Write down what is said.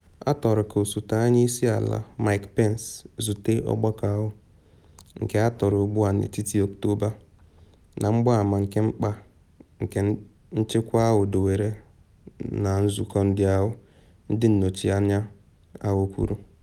Atọrọ ka Osote Onye Isi Ala Mike Pence zute ọgbakọ ahụ, nke atọrọ ugbu a na etiti-Ọktoba, na mgbama nke mkpa nke nchịkwa ahụ dowere na nzụkọ ndị ahụ, ndị nnọchite anya ahụ kwuru.